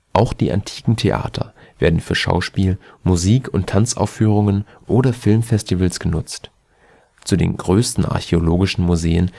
Auch die antiken Theater werden für Schauspiel -, Musik - und Tanzaufführungen oder Filmfestivals genutzt. Zu den größten archäologischen Museen